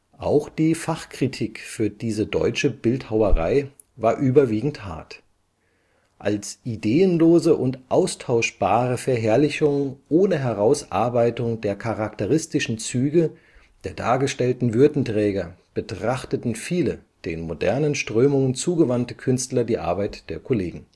Auch die Fachkritik für diese deutsche Bildhauerei war überwiegend hart. Als ideenlose und austauschbare Verherrlichung ohne Herausarbeitung der charakteristischen Züge der dargestellten Würdenträger betrachteten viele den modernen Strömungen zugewandte Künstler die Arbeit der Kollegen